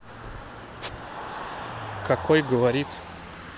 какой говорит